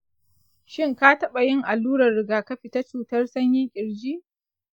shin ka taɓa yin allurar rigakafi ta cutar sanyin ƙirji?